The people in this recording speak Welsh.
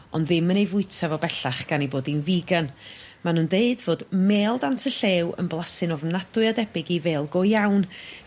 ond ddim yn eu fwyta fo bellach gan 'i bod 'i'n figan ma' nw'n deud fod mêl dant y llew yn blasu'n ofnadwy o debyg i fêl go iawn